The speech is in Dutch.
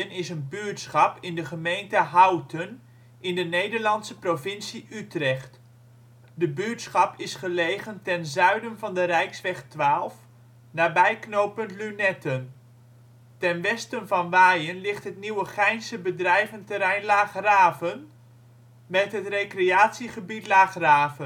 is een buurtschap in de gemeente Houten, in de Nederlandse provincie Utrecht. De buurtschap is gelegen ten zuiden van de rijksweg 12, nabij knooppunt Lunetten. Ten westen van Wayen ligt het Nieuwegeinse bedrijventerrein Laagraven en het recreatiegebied Laagraven. De